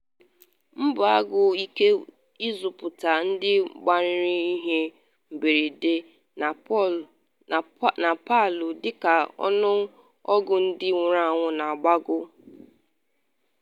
Mbọ agwụ ike ịzọpụta ndị gbanarịrị ihe mberede na Palu dịka ọnụọgụ ndị nwụrụ anwụ na-agbago